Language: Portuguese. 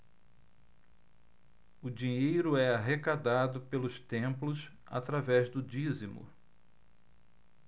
o dinheiro é arrecadado pelos templos através do dízimo